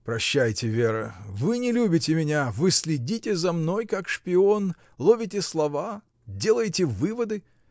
— Прощайте, Вера, вы не любите меня: вы следите за мной, как шпион, ловите слова, делаете выводы.